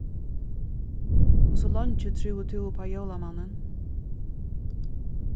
hvussu leingi trúði tú upp á jólamannin